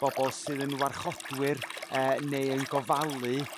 bobol sydd yn warchodwyr yrr neu yn gofalu